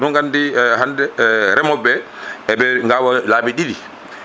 oɗon gandi hande remoɓeɓe eɓe gawa laabi ɗiɗi